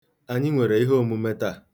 Anyị nwere iheomume taa.